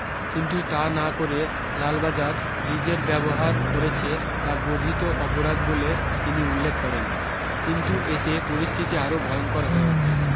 কিন্তু তা না করে লালবাজার রিজের ব্যবহার করেছে তা গর্হিত অপরাধ বলে তিনি উল্লেখ করেন কিন্তু এতে পরিস্থিতি আরও ভয়ঙ্কর হয়ে ওঠে